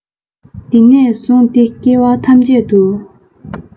འདི ནས བཟུང སྟེ སྐྱེ བ ཐམས ཅད དུ